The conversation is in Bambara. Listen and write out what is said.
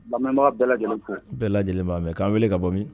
Lajɛlen b'a fɛ k'an wele ka bɔ min